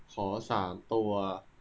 ขอสามตัว